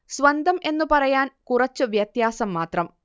സ്വന്തം എന്നു പറയാൻ കുറച്ച് വ്യത്യാസം മാത്രം